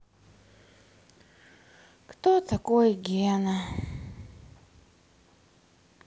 кто такой гена